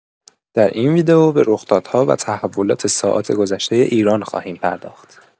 در این ویدئو به رخدادها و تحولات ساعات گذشتۀ ایران خواهیم پرداخت.